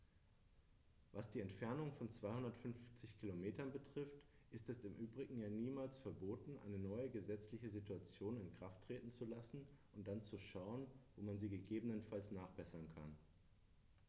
Was die Entfernung von 250 Kilometern betrifft, ist es im Übrigen ja niemals verboten, eine neue gesetzliche Situation in Kraft treten zu lassen und dann zu schauen, wo man sie gegebenenfalls nachbessern kann.